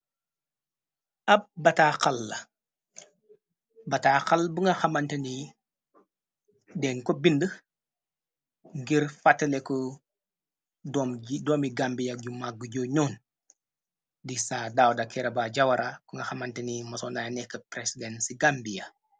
Ab ba taaxal bu nga xamanteni den ko bind ngir fataleku doomi gambiak yu maggu jo ñoon di sa daw dakereba jawara ko nga xamanteni masoonay nekk presiden ci gambia.